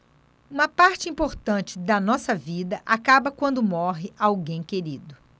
uma parte importante da nossa vida acaba quando morre alguém querido